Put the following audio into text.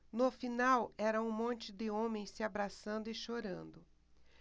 no final era um monte de homens se abraçando e chorando